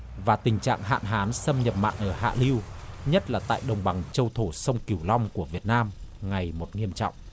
và tình trạng hạn hán xâm nhập mặn ở hạ lưu nhất là tại đồng bằng châu thổ sông cửu long của việt nam ngày một nghiêm trọng